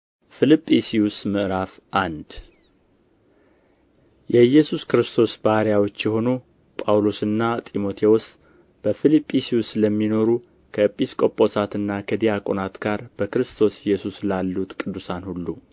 ፊልጵስዩስ ምዕራፍ አንድ የኢየሱስ ክርስቶስ ባሪያዎች የሆኑ ጳውሎስና ጢሞቴዎስ በፊልጵስዩስ ለሚኖሩ ከኤጲስ ቆጶሳትና ከዲያቆናት ጋር በክርስቶስ ኢየሱስ ላሉት ቅዱሳን ሁሉ